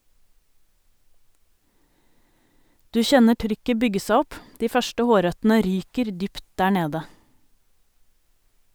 Du kjenner trykket bygge seg opp , de første hårrøttene ryker dypt der nede.